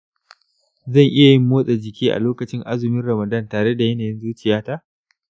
zan iya yin motsa jiki a lokacin azumin ramadan tare da yanayin zuciyata?